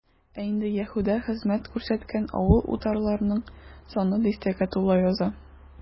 Ә инде Яһүдә хезмәт күрсәткән авыл-утарларның саны дистәгә тула яза.